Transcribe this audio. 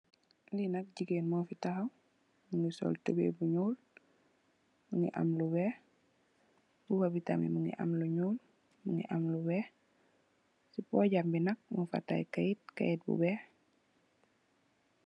Li nak jigéen mu fi tahaw, mungi sol tubeye bu ñuul, mungi am lu weeh. Mbuba bi tamit mungi am lu ñuul, mungi am lu weeh. Ci pogam bi nak mung fa tayè ay kayit, kayit bu weeh.